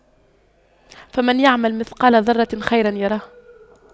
فَمَن يَعمَل مِثقَالَ ذَرَّةٍ خَيرًا يَرَهُ